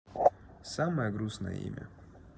самое грустное имя